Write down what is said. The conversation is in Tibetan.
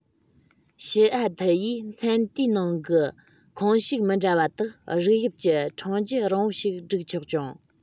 ཞི ཨ ཐི ཡིས ཚན དེའི ནང གི ཁོངས ཞུགས མི འདྲ བ དག རིགས དབྱིབས ཀྱི ཕྲེང བརྒྱུད རིང པོ ཞིག སྒྲིག ཆོག ཅིང